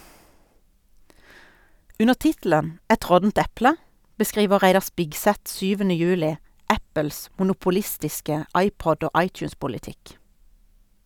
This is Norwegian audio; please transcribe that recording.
Under tittelen "Et råttent eple" beskriver Reidar Spigseth 7. juli Apples monopolistiske iPod- og iTunes-politikk.